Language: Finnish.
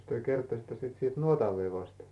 jos te kertoisitte sitten siitä nuotanvedosta